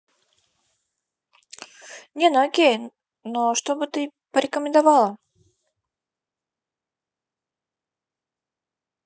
не ну окей но что бы ты порекомендовала